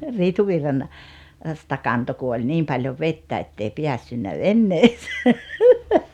- Riitunvirrasta kantoi kun oli niin paljon vettä että ei päässyt veneeseen